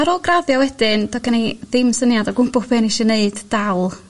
Ar ôl graddio wedyn doedd gen i ddim syniad o gwbwl be oni isio neud dal